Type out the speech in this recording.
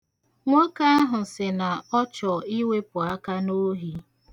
Nwoke ahụ sị na ọ chọ iwepu aka n'ohi.